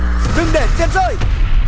để tiền rơi